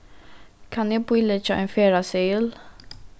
kann eg bíleggja ein ferðaseðil